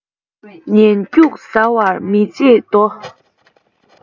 ངན སྐྱུགས ཟ བར མི བྱེད དོ